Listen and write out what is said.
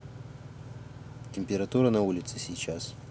температура на улице сейчас